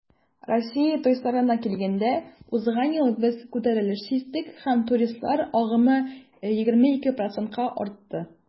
Россия туристларына килгәндә, узган ел без күтәрелеш сиздек һәм туристлар агымы 22 %-ка артты.